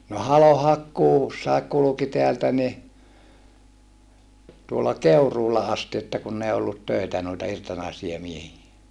no halonhakkuussakin kulki täältä niin tuolla Keuruulla asti että kun ei ollut töitä noita irtonaisia miehiä